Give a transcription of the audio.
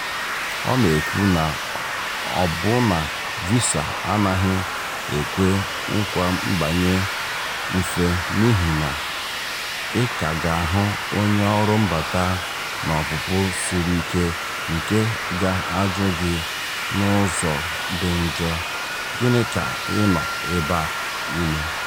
Ọ na-ekwu na ọbụna visa anaghị ekwe nkwa mbanye mfe n'ihi na ""ị ka ga-ahụ onye ọrụ mbata na ọpụpụ siri ike nke ga-ajụ gị n'ụzọ dị njọ, Gịnị ka ị nọ ebe a ime?""